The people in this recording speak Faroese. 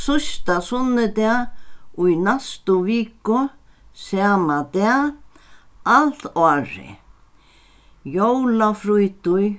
síðsta sunnudag í næstu viku sama dag alt árið jólafrítíð